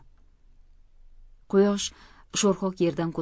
quyosh sho'rxok yerdan